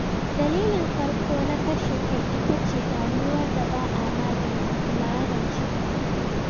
Dalilin farko na kashe kai ita ce damuwar da ba a magance ta ba.